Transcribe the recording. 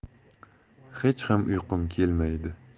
hech ham uyqum kelmaydi